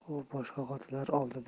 u boshqa xotinlar